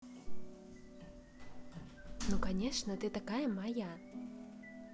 ну конечно ты такая моя